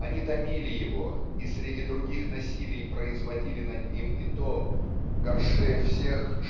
они томили его и среди других насилий производили над ним и то горшее всех